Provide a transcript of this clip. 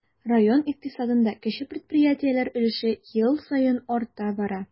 Район икътисадында кече предприятиеләр өлеше ел саен арта бара.